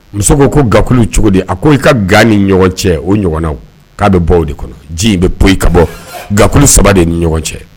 Muso ko ko gakulu cogo di a ko i ka ga ni ɲɔgɔn cɛ o ɲɔgɔn na k'a bɛ bɔ o de kɔnɔ ji bɛ p i ka bɔ gakulu saba de ni ɲɔgɔn cɛ